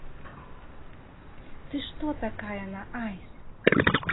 ты что такая на ice